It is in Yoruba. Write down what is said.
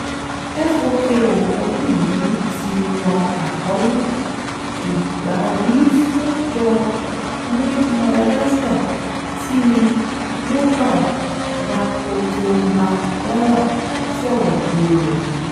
Foko ọdún yìí ti yan àkọ́lé "Ìgbàwífúnjọ ní Madagascar" tí Lova Rakotomalala sọ̀rọ̀ lórí rẹ̀.